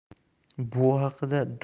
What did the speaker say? bu haqda dunyo